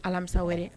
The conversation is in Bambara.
Alamisa wɛrɛ